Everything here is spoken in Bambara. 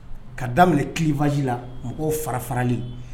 Ka daminɛ clivage la . Mɔgɔw fara farali